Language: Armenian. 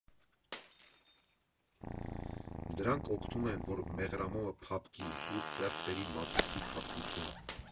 Դրանք օգնում են, որ մեղրամոմը փափկի ու ձեռք բերի մածուցիկ հատկություն։